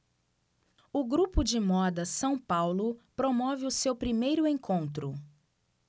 o grupo de moda são paulo promove o seu primeiro encontro